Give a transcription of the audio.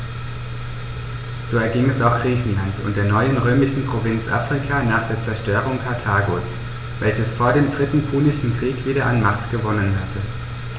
So erging es auch Griechenland und der neuen römischen Provinz Afrika nach der Zerstörung Karthagos, welches vor dem Dritten Punischen Krieg wieder an Macht gewonnen hatte.